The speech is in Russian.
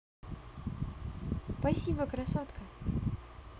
спасибо красотка